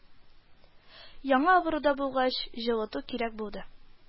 Яңа авыру да булгач, җылыту кирәк булды